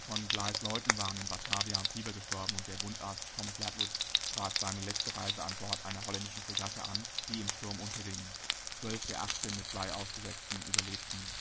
von Blighs Leuten waren in Batavia am Fieber gestorben, und der Wundarzt Thomas Ledward trat seine letzte Reise an Bord einer holländischen Fregatte an, die im Sturm unterging. Zwölf der achtzehn mit Bligh Ausgesetzten überlebten.